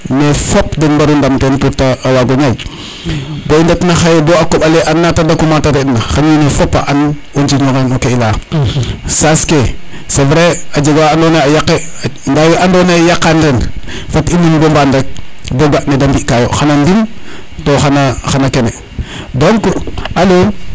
mais fop den mbaru ndam ten pour te wago ñaƴ bo i ndetna xaye bo a koɓale a naat a daku mate re ina xan wiin we fop a an o njirño nge no ke i leya saas ke c' est vrai a jega wa ando naye a yaqe nda we ando naye yaqan ren fad i muñ bo mbaan rek bo ga nede mbika yo xana ndim to xana kene donc alo